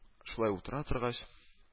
Шулай утыра торгач